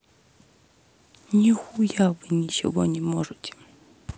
нихуя вы ничего не можете